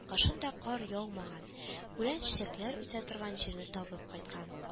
Кашын да кар яумаган, үлән-чәчкәләр үсә торган җирне табып кайткан